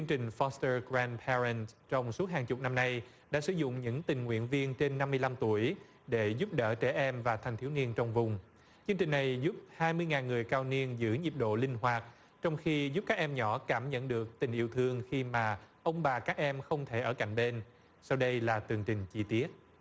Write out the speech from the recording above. trình phót tơ gờ ren he len trong suốt hàng chục năm nay đã sử dụng những tình nguyện viên trên năm mươi lăm tuổi để giúp đỡ trẻ em và thanh thiếu niên trong vùng chương trình này giúp hai mươi ngàn người cao niên giữ nhịp độ linh hoạt trong khi giúp các em nhỏ cảm nhận được tình yêu thương khi mà ông bà các em không thể ở cạnh bên sau đây là tường trình chi tiết